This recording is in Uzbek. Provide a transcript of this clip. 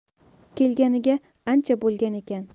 kelganiga ancha bo'lgan ekan